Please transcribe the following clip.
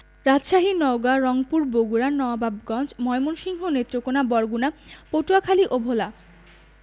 রাজশাহী নওগাঁ রংপুর বগুড়া নবাবগঞ্জ ময়মনসিংহ নেত্রকোনা বরগুনা পটুয়াখালী ও ভোলা